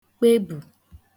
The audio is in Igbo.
kpebù